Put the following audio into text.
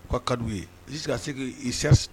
U ka kadugu ye bilisise ka se i sera